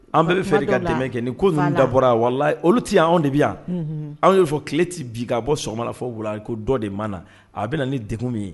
An bɛɛ bɛ fɛ ka dɛmɛ kɛ nin ko n'an da bɔra yan wala olu tɛ yan anw de bɛ yan anw bɛ fɔ tile tɛ bi ka bɔ mana fɔ wula ko dɔ de ma na a bɛ na ni deg min ye